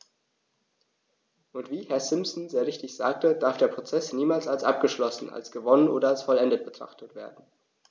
Und wie Herr Simpson sehr richtig sagte, darf der Prozess niemals als abgeschlossen, als gewonnen oder als vollendet betrachtet werden.